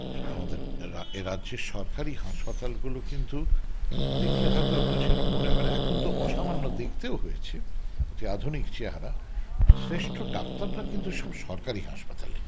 আমাদের এ রাজ্যের সরকারি হাসপাতাল গুলো কিন্তু দেখে হয়ত আপনার সেরকম মনে হবে না এখনতো অসামান্য দেখতেও হয়েছে অতি আধুনিক চেহারা শ্রেষ্ঠ ডাক্তাররা কিন্তু সব সরকারি হাসপাতালে